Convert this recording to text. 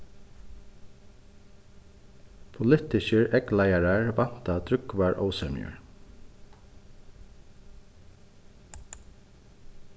politiskir eygleiðarar vænta drúgvar ósemjur